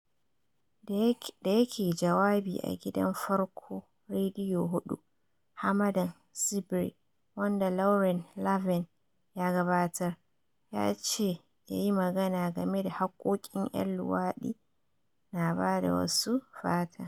Da yake jawabi a gidan farko Rediyo 4 Hamadan Tsibiri wanda Lauren Laverne ya gabatar, ya ce ya yi magana game da hakkokin 'yan luwadi na ba da wasu "fata".